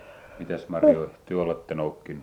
mitäs marjoja te olette noukkinut